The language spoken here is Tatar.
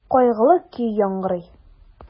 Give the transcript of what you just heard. Кайгылы көй яңгырый.